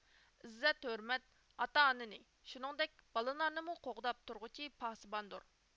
ئىززەت ھۆرمەت ئاتا ئانىنى شۇنىڭدەك بالىلارنىمۇ قوغداپ تۇرغۇچى پاسىباندۇر